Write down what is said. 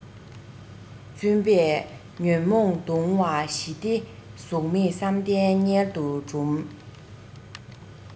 བཙུན པས ཉོན མོངས གདུང བ ཞི སྟེ གཟུགས མེད བསམ གཏན མངལ དུ སྦྲུམ